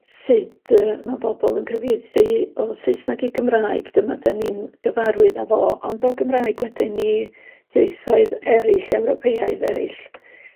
Sud yy ma' bobol yn cyfieithu o Saesnag i Gymraeg, dyma 'dan ni'n gyfarwydd â fo, ond o Gymraeg wedyn i ieithoedd eryll Ewropeaidd eryll.